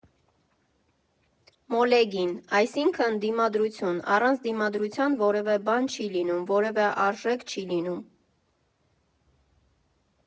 Մոլեգին, այսինքն՝ դիմադրություն, առանց դիմադրության որևէ բան չի լինում, որևէ արժեք չի լինում։